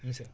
Missirah